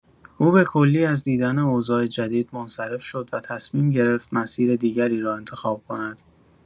او به‌کلی از دیدن اوضاع جدید منصرف شد و تصمیم گرفت مسیر دیگری را انتخاب کند.